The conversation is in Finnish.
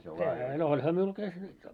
eihän no olihan minulla tässä nyt jo